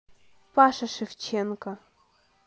паша шевченко